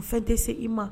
O fɛn tɛ se i ma